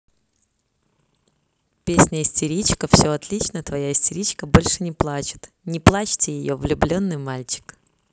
песня истеричка все отлично твоя истеричка больше не плачут не плачьте ее влюбленный мальчик